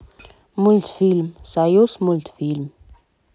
мультфильм союз мультфильм